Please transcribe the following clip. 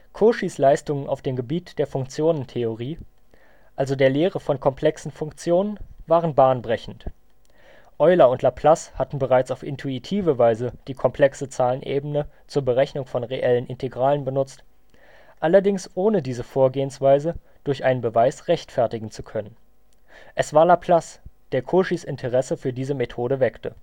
Cauchys Leistungen auf dem Gebiet der Funktionentheorie, also der Lehre von komplexen Funktionen, waren bahnbrechend. Euler und Laplace hatten bereits auf intuitive Weise die komplexe Zahlenebene zur Berechnung von reellen Integralen benutzt, allerdings ohne diese Vorgehensweise durch einen Beweis rechtfertigen zu können. Es war Laplace, der Cauchys Interesse für diese Methode weckte